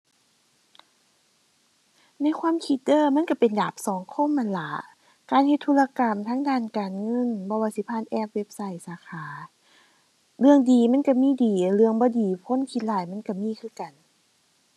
ในความคิดเด้อ มันก็เป็นดาบสองคมนั่นล่ะ การเฮ็ดธุรกรรมทางด้านการเงิน บ่ว่าสิผ่านแอป เว็บไซต์ สาขา เรื่องดีมันก็มีดี เรื่องบ่ดีคนคิดร้ายมันก็มีคือกัน